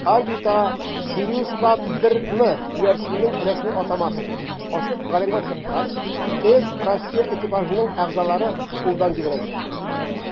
Орбитага "СириусСат-1"ны (иярченнең рәсми атамасы) ачык галәмгә чыккач ХКС Россия экипажының әгъзалары кулдан җибәрәчәк.